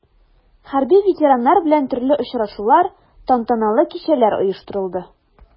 Хәрби ветераннар белән төрле очрашулар, тантаналы кичәләр оештырылды.